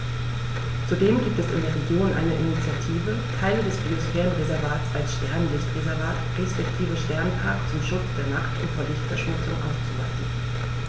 Zudem gibt es in der Region eine Initiative, Teile des Biosphärenreservats als Sternenlicht-Reservat respektive Sternenpark zum Schutz der Nacht und vor Lichtverschmutzung auszuweisen.